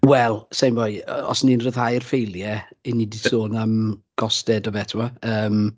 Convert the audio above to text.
Wel sa i'n gwybod os 'y ni'n rhyddhau'r ffeiliau, 'y ni 'di sôn am gostsu dofe tibod, yym...